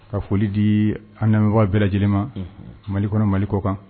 Ka foli di an lamɛnmibaa bɛɛ lajɛlen ma mali kɔnɔ mali kɔ kan